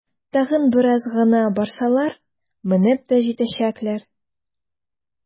Тагын бераз гына барсалар, менеп тә җитәчәкләр!